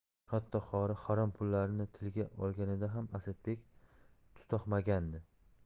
hatto qori harom pullarni tilga olganida ham asadbek tutoqmagandi